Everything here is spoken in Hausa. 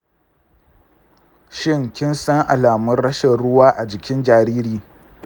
shin kin san alamun rashin ruwa a jikin jariri?